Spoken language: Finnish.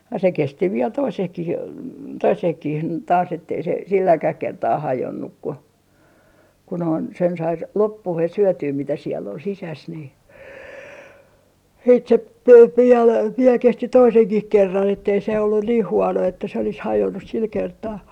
ja se kesti vielä toisenkin toisenkin taas että ei se silläkään kertaa hajonnut kun kun noin sen sai - loppuun syötyä mitä siellä oli sisässä niin sitten se vielä kesti toisenkin kerran että ei se ollut niin huono että se olisi hajonnut sillä kertaa